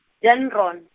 Dendron.